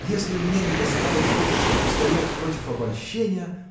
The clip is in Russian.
если у меня недостало твердости устоять против обольщения.